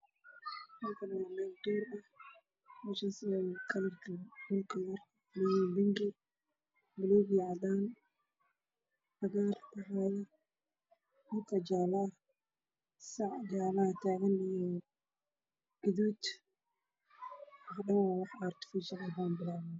Meeshaan waa meel hoos ka baxaya waxaa jooga sacad midabkiisu yahay guduud oo daaqaya coska oo dharagsan